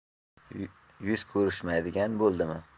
yuz ko'rishmaydigan bo'ldimi